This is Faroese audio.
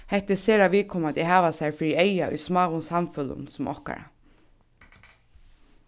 hetta er sera viðkomandi at hava sær fyri eyga í smáum samfeløgum sum okkara